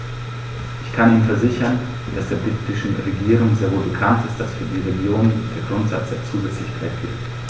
Ich kann Ihnen versichern, dass der britischen Regierung sehr wohl bekannt ist, dass für die Regionen der Grundsatz der Zusätzlichkeit gilt.